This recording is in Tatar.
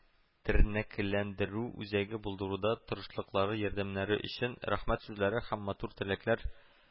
Тернәкләндерү үзәге булдыруда тырышлыклары-ярдәмнәре өчен рәхмәт сүзләре һәм матур теләкләр